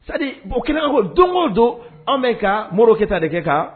_ C'est à dire o ye kɛnɛkanko ye don o don an bɛ ka Modibo Keyita de kɛ ka